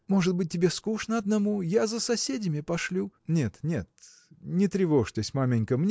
– Может быть, тебе скучно одному: я за соседями пошлю. – Нет, нет. Не тревожьтесь, маменька!